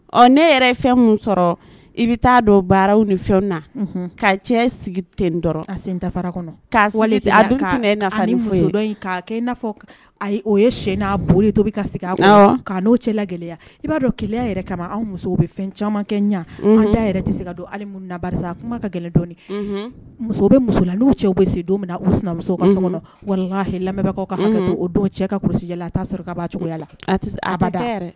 Ɔ ne yɛrɛ ye fɛn sɔrɔ i bɛ taa dɔn baaraw ni fɛn na ka cɛ sigi ten dɔrɔn a sentafara kɔnɔ' i n'a ayi o ye sen n'a boli to bɛ ka segin k''o cɛ gɛlɛya i b'a dɔn gɛlɛya yɛrɛ kama anw musow bɛ fɛn caman kɛ ɲɛ an yɛrɛ tɛ se ka don hali na a kuma ka muso bɛ musola cɛ bɛ se don min na u sinamuso ka so kɔnɔ wala lamɛnbagawkaw ka cɛ ka kulu a' sɔrɔ'a cogoya la a yɛrɛ